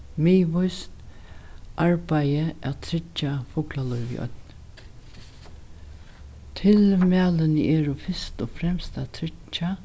miðvíst arbeiði at tryggja fuglalívið í oynni tilmælini eru fyrst og fremst at tryggja